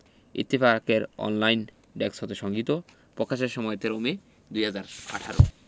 ইত্তেফাক এর অনলাইন ডেক্স হতে সংগিহীত পকাশের সময় ১৩ মে ২০১৮